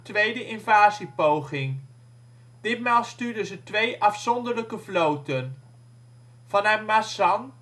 tweede invasiepoging. Ditmaal stuurden ze twee afzonderlijke vloten. Vanuit Masan